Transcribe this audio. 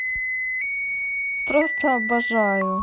просто обожаю